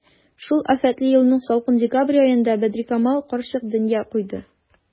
Шул афәтле елның салкын декабрь аенда Бәдрикамал карчык дөнья куйды.